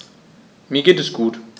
Mir geht es gut.